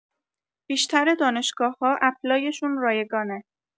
بیشتر دانشگاه‌‌ها اپلایشون رایگانه